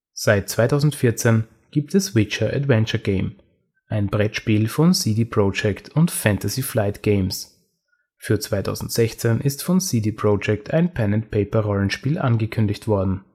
Seit 2014 gibt es Witcher Adventure Game, ein Brettspiel von CD Projekt und Fantasy Flight Games. Für 2016 ist von CD Projekt ein Pen -&- Paper-Rollenspiel angekündigt worden